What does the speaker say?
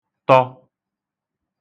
tọ